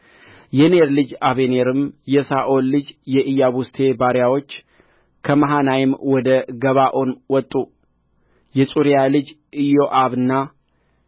የኔር ልጅ አበኔርና የሳኦል ልጅ የኢያቡስቴ ባሪያዎች ከመሃናይም ወደ ገባዖን ወጡ የጽሩያ ልጅ ኢዮአብና